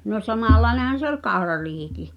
no samanlainen se oli kaurariihikin